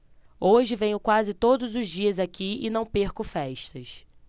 hoje venho quase todos os dias aqui e não perco festas